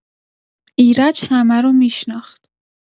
ایرج همه رو می‌شناخت.